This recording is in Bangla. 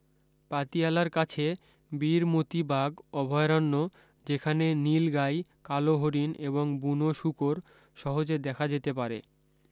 পাতিয়ালার কাছে বীর মতি বাগ অভয়ারন্য যেখানে নীলগাই কালো হরিণ এবং বুনো শূকর সহজে দেখা যেতে পারে